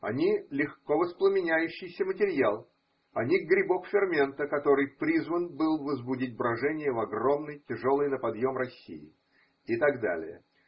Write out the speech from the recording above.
Они – легко воспламеняющийся материал, они – грибок фермента, который призван был возбудить брожение в огромной, тяжелой на подъем России. И так далее.